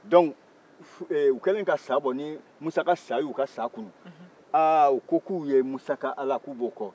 dɔnku u kelen ka sa bɔ ni musa ka sa y'u ka sa kunun aa u ko k'u bɛ musa ka ala kɔ